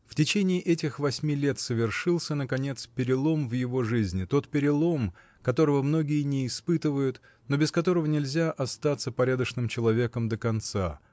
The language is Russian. В течение этих восьми лет совершился, наконец, перелом в его жизни, тот перелом, которого многие не испытывают, но без которого нельзя остаться порядочным человеком до конца